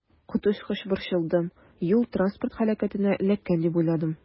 Коточкыч борчылдым, юл-транспорт һәлакәтенә эләккән дип уйладым.